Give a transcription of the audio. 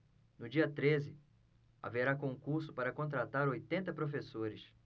no dia treze haverá concurso para contratar oitenta professores